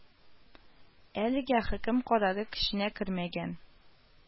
Әлегә хөкем карары көченә кермәгән